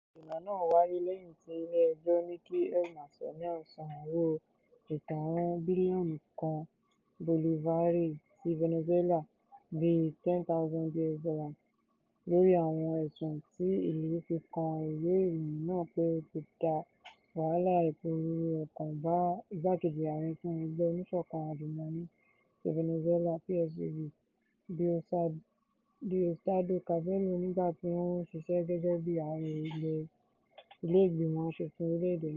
Ìdènà náà wáyé lẹ́yìn tí ilé-ẹjọ́ ní kí El Nacional san owó ìtanràn bílíọ̀nù kan Bolivare ti Venezuela (bíi $10,000 USD), lórí àwọn ẹ̀sùn tí ìlú fi kan ìwé ìròyìn náà pé ó ti dá "wàhálà ìpòruru ọkàn" bá Igbákejì Ààrẹ fún Ẹgbẹ́ Oníṣọ̀kan Àjùmọ̀ní ti Venezuela (PSUV) Diosdado Cabello, nígbà tí ó ń ṣiṣẹ́ gẹ́gẹ́ bíi ààrẹ Ilé-ìgbìmọ̀ aṣòfin Orílẹ̀-èdè náà.